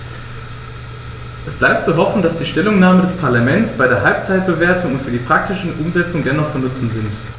Es bleibt zu hoffen, dass die Stellungnahmen des Parlaments bei der Halbzeitbewertung und für die praktische Umsetzung dennoch von Nutzen sind.